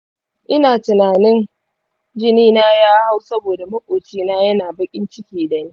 ina tinanin jina na ya hau saboda maƙoci na yana baƙin ciki dani.